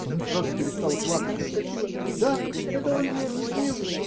Она сразу перестала плакать и вскочила. -- Да это он мне объяснил.